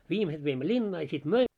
viimeiset veimme linnaan ja sitten -